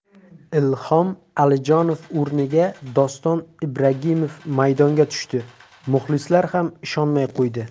ilhom alijonov o'rniga doston ibragimov maydonga tushdi muxlislar ham ishonmay qo'ydi n